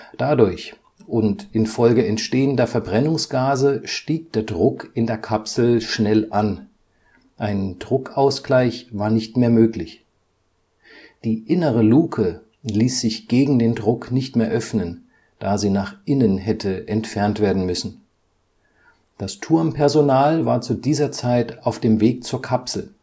Dadurch und infolge entstehender Verbrennungsgase stieg der Druck in der Kapsel schnell an, ein Druckausgleich war nicht mehr möglich. Die innere Luke ließ sich gegen den Druck nicht mehr öffnen, da sie nach innen hätte entfernt werden müssen. Das Turmpersonal war zu dieser Zeit auf dem Weg zur Kapsel